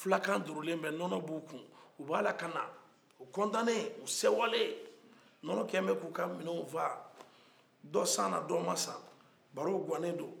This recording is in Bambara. fulakan durulen bɛ nɔnɔ b'u kun u kɔntannen u sewalen nɔnɔ kɛlen bɛ k'o ka minɛw fa dɔ sanna dɔ ma san baro gannen do